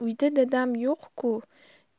uyda dadam yo'q ku